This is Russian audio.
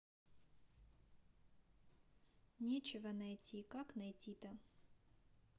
нечего найти как найти то